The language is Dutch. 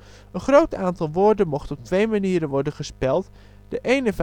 groot aantal woorden mocht op twee manieren worden gespeld. De ene variant